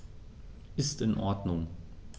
Ist in Ordnung.